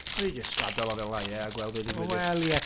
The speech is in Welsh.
Wnawn ni jyst gadael o fela ia a gweld be ddigwyddith.... Wel, ie.